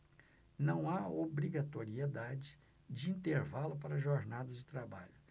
não há obrigatoriedade de intervalo para jornadas de trabalho